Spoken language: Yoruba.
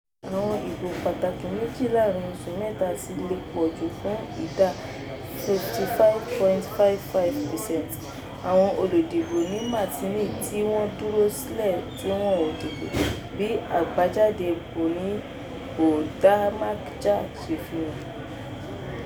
Àwọn ìbò pàtàkì méjì láàárìn oṣù mẹ́ta ti lè pọ̀ jù fún ìda 55.55% àwọn oludìbò ní Martini tí wọ́n dúró sílé tí wọn ò dìbò, bí àgbéjáde Bondamanjak ṣe fi hàn.